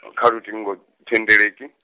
kha luṱingo, thendeleki.